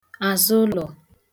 àzụụlọ̀